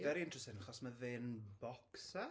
Very interesting achos mae fe'n boxer?